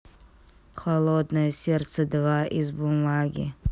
холодное сердце два из бумаги